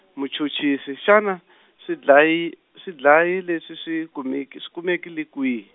muchuchisi xana, swidlayi swidlayi leswi swi kumeke- swi kumekile kwihi?